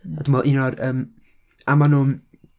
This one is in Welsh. A dwi'n meddwl un o'r, yym, a ma' nhw'n...